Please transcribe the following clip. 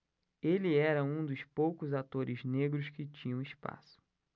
ele era um dos poucos atores negros que tinham espaço